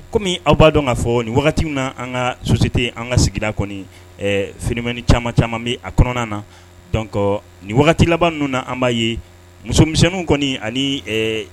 Kɔmi aw b'a dɔn k kaa fɔ nin wagati min na an ka sosɔte an ka sigida kɔni fi caman caman bɛ a kɔnɔna na nin wagati laban ninnu na an b'a ye musomisɛnninw kɔni ani